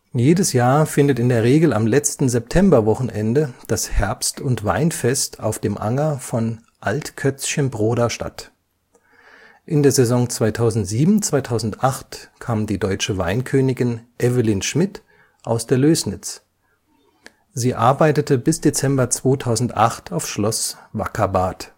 Jedes Jahr findet in der Regel am letzten Septemberwochenende das Herbst - und Weinfest auf dem Anger von Altkötzschenbroda statt. In der Saison 2007/08 kam die Deutsche Weinkönigin, Evelyn Schmidt, aus der Lößnitz, sie arbeitete bis Dezember 2008 auf Schloss Wackerbarth